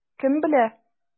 Кем белә?